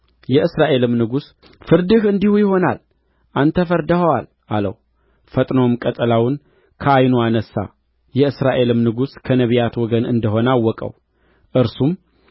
የእስራኤልም ንጉሥ ፍርድህ እንዲሁ ይሆናል አንተ ፈርድኸዋል አለው ፈጥኖም ቀጸላውን ከዓይኑ አነሣ የእስራኤልም ንጉሥ ከነቢያት ወገን እንደ ሆነ አወቀው እርሱም